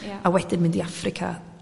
ia a wedyn mynd i Affrica